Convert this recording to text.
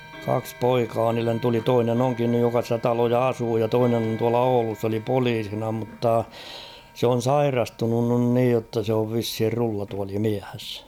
kaksi poikaa niille tuli toinen onkin nyt joka sitä taloa asuu ja toinen on tuolla Oulussa se oli poliisina mutta se on sairastunut nyt niin jotta se on vissiin rullatuolimies